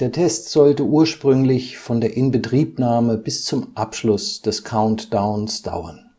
Test sollte ursprünglich von der Inbetriebnahme bis zum Abschluss des Countdowns dauern